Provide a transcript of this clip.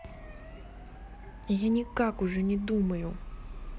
я никак уже не думаю